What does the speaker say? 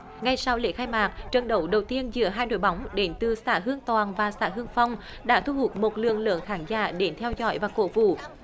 ngay sau lễ khai mạc trận đấu đầu tiên giữa hai đội bóng đến từ xã hương toàn và xã hưng phong đã thu hút một lượng lớn khán giả đến theo dõi và cổ vũ